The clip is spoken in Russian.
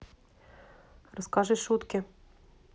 расскажи шутки